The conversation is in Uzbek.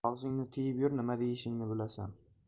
og'zingni tiyib yur nima deyishingni bilasan